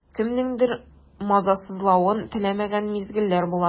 Кемнеңдер мазасызлавын теләмәгән мизгелләр була.